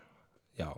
Ja.